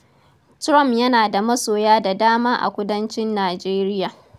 Trump yana da masoya da dama a kudancin Nijeriya.